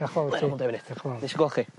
Dioch fawr. Dioch y fawr. Nes i gwel' chi.